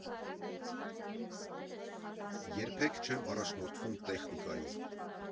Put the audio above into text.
Երբեք չեմ առաջնորդվում տեխնիկայով.